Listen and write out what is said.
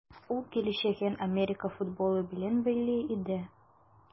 Ул киләчәген Америка футболы белән бәйли иде.